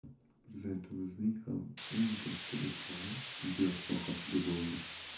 prezidentimizning ham eng katta e'tibori tibbiyot sohasiga bo'ldi